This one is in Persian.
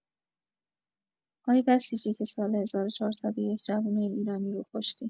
آی بسیجی که سال ۱۴۰۱ جوونای ایرانی رو کشتی!